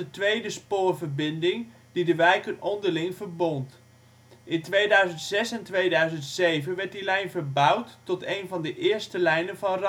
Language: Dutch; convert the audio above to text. tweede spoorverbinding die de wijken onderling verbond. In 2006 en 2007 werd die lijn verbouwd tot een van de eerste lijnen van